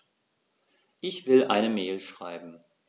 Ich will eine Mail schreiben.